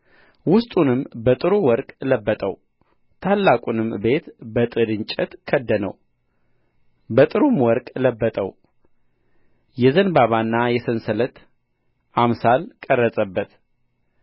ውስጡንም በጥሩ ወርቅ ለበጠው ታላቁንም ቤት በጥድ እንጨት ከደነው በጥሩም ወርቅ ለበጠው የዘንባባና የሰንሰለት አምሳል ቀረጸበት